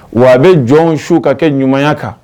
Wa a bɛ jɔn su ka kɛ ɲumanya kan